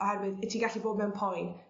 oherwydd 'yt ti gallu bod mewn poen